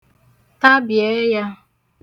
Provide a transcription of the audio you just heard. tabì ẹyā